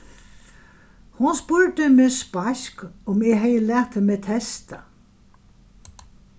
hon spurdi meg speisk um eg hevði latið meg testað